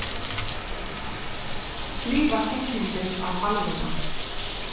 skriva setningin á talvuna